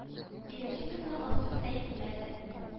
Икенче көнне кыз бөтенләй килмәде